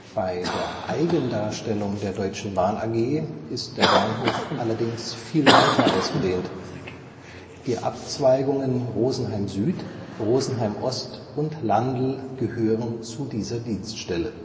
Bei der Eigendarstellung (Konzernrichtlinie 408) der Deutschen Bahn AG ist der Bahnhof allerdings viel weiter ausgedehnt. Die Abzweigungen Rosenheim Süd, Rosenheim Ost und Landl gehören zu dieser Dienststelle